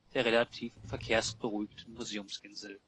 relativ verkehrsberuhigten Museumsinsel